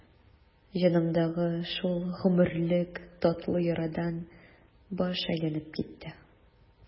Җанымдагы шул гомерлек татлы ярадан баш әйләнеп китте.